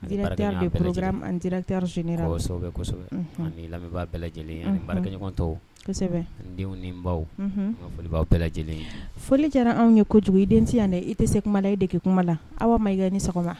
Ssɛbɛsɛbɛ ani lamɛn bɛɛ lajɛlentɔ baw bɛɛ lajɛlen foli diyara anw ye ko kojugu i den yan dɛ i tɛ se kumala i de kɛ kuma la aw ma i kɛ ni sɔgɔma